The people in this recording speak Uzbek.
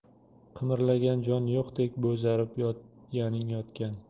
qimirlagan jon yo'qdek bo'zarib yotganing yotgan